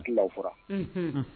I lafura. Unhun!